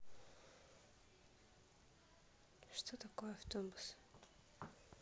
что такое автобус